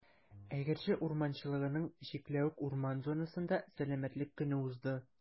Әгерҗе урманчылыгының «Чикләвек» урман зонасында Сәламәтлек көне узды.